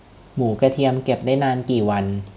หมูกระเทียมเก็บได้นานกี่วัน